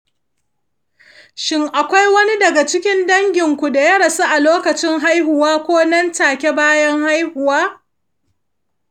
shin akwai wani daga cikin danginku da ya rasu a lokacin haihuwa ko nan-take bayan haihuwa?